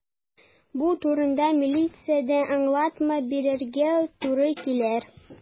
Бу турыда милициядә аңлатма бирергә туры килер.